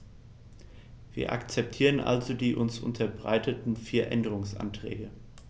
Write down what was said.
Wir akzeptieren also die uns unterbreiteten vier Änderungsanträge.